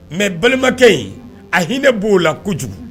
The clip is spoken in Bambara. Mɛ balimakɛ in a hinɛ b'o la kojugu